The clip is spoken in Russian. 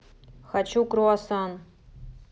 хочу круассан